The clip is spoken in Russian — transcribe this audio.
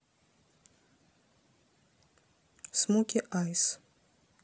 смоки айс